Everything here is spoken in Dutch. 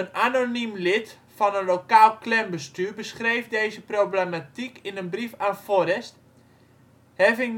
anoniem lid van een lokaal clanbestuur beschreef deze problematiek in een brief aan Forrest. " I